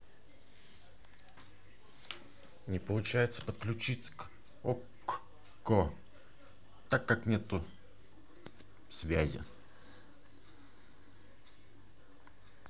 не получается подключиться к окко